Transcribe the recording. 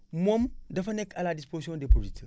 moom dafa nekk à la disposition des producteurs